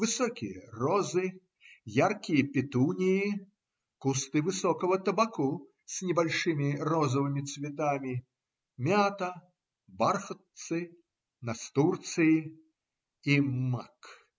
высокие розы, яркие петунии, кусты высокого табаку с небольшими розовыми цветами, мята, бархатцы, настурции и мак.